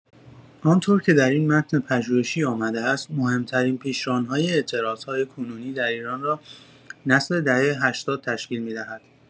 آن‌طور که در این متن پژوهشی آمده است مهمترین پیشران‌های اعتراض‌های کنونی در ایران را نسل دهه هشتاد تشکیل می‌دهد.